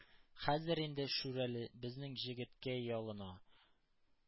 Хәзер инде Шүрәле безнең Җегеткә ялына,